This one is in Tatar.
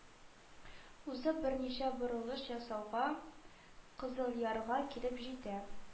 Узып берничә борылыш ясауга, кызылъярга килеп җитә